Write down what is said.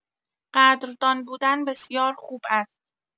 قدردان‌بودن بسیار خوب است.